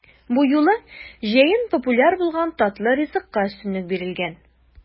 Бу юлы җәен популяр булган татлы ризыкка өстенлек бирелгән.